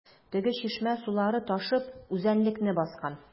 Теге чишмә сулары ташып үзәнлекне баскан.